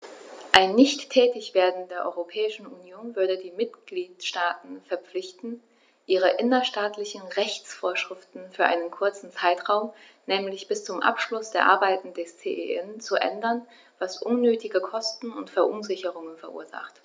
Ein Nichttätigwerden der Europäischen Union würde die Mitgliedstaten verpflichten, ihre innerstaatlichen Rechtsvorschriften für einen kurzen Zeitraum, nämlich bis zum Abschluss der Arbeiten des CEN, zu ändern, was unnötige Kosten und Verunsicherungen verursacht.